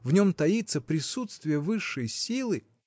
в нем таится присутствие высшей силы.